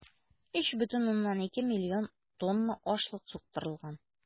3,2 млн тонна ашлык суктырылган.